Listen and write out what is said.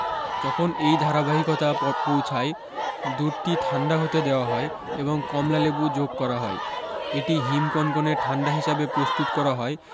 যখন এই ধারাবাহিকতা পৌছায় দুধটি ঠান্ডা হতে দেওয়া হয় এবং কমলালেবু যোগ করা হয় এটি হিমকনকনে ঠান্ডা হিসাবে প্রস্তুত করা হয়